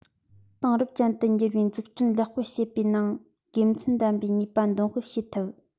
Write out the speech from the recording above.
དེང རབས ཅན དུ འགྱུར བའི འཛུགས སྐྲུན ལེགས སྤེལ བྱེད པའི ནང དགེ མཚན ལྡན པའི ནུས པ འདོན སྤེལ བྱེད ཐུབ